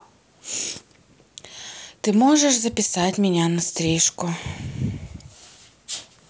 ты можешь записать меня на стрижку